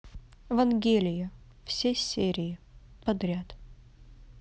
вангелия все серии подряд